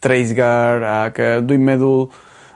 dreisgar ac yy dwi'n meddwl